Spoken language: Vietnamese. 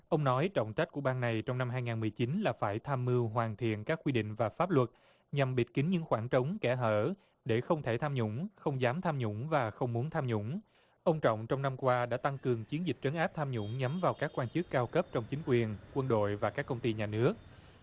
ông nói trọng trách của ban này trong năm hai ngàn mười chín là phải tham mưu hoàn thiện các quy định và pháp luật nhằm bịt kín những khoảng trống kẽ hở để không thể tham nhũng không dám tham nhũng và không muốn tham nhũng ông trọng trong năm qua đã tăng cường chiến dịch trấn áp tham nhũng nhắm vào các quan chức cao cấp trong chính quyền quân đội và các công ty nhà nước